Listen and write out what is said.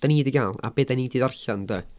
Dan ni 'di gael a be dan ni 'di ddarllen de?